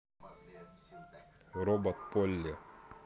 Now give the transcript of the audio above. робот полли